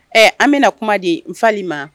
Ɛ an bɛna na kuma di n fali ma